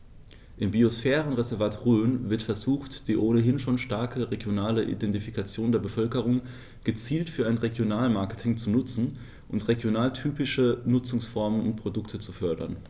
Im Biosphärenreservat Rhön wird versucht, die ohnehin schon starke regionale Identifikation der Bevölkerung gezielt für ein Regionalmarketing zu nutzen und regionaltypische Nutzungsformen und Produkte zu fördern.